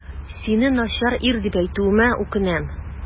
Сине начар ир дип әйтүемә үкенәм.